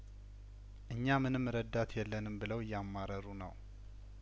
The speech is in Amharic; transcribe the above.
እኛምንም ረዳት የለንም ብለው እያማረሩ ነው